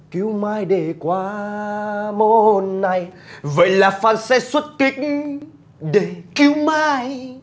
cứu mai để qua môn này vậy là phan sẽ xuất kích để cứu mai